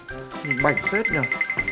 nhìn bảnh phết nhở